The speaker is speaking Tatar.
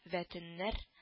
Вә төннәр